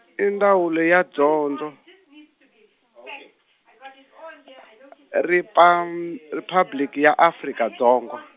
i Ndzawulo ya Dyondzo , Ripam- Riphabliki ya Afrika Dzongo.